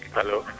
alo